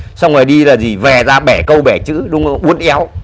xong rồi đi là gì về ra bẻ câu bẻ chữ đúng không uốn éo